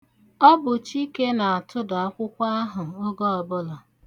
Ọ bụ Chike na-atụda akwụkwọ ahụ oge ọbụla.